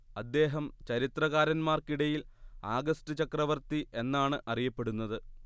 അദ്ദേഹം ചരിത്രകാരന്മാർക്കിടയിൽ ആഗസ്ത് ചക്രവർത്തി എന്നാണ് അറിയപ്പെടുന്നത്